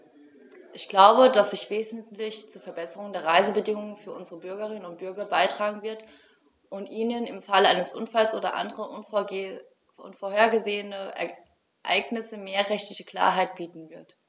Ich glaube, dass sie wesentlich zur Verbesserung der Reisebedingungen für unsere Bürgerinnen und Bürger beitragen wird, und ihnen im Falle eines Unfalls oder anderer unvorhergesehener Ereignisse mehr rechtliche Klarheit bieten wird.